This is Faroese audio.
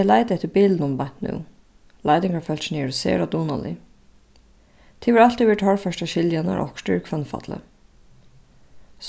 tey leita eftir bilinum beint nú leitingarfólkini eru sera dugnalig tað hevur altíð verið torført at skilja nær okkurt er í hvønnfalli